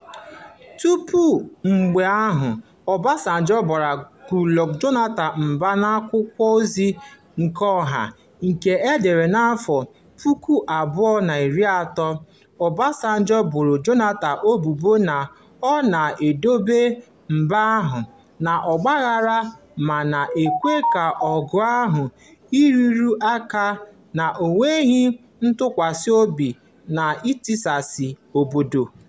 Tupu mgbe ahụ, Obasanjo baara Goodluck Jonathan mba n'akwụkwọ ozi keọha nke e dere n'afọ 2013, Obasanjo boro Jonathan ebubo na ọ na-eduba mba ahụ n'ọgbaaghara ma na-ekwe ka aghụghọ, nrụrụ aka na enweghị ntụkwasị obi na-etisa obodo.